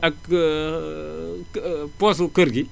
ak poche su kër gi